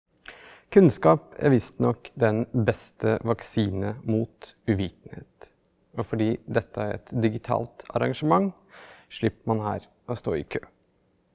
kunnskap er visstnok den beste vaksine mot uvitenhet, og fordi dette er et digitalt arrangement, slipper man her å stå i kø.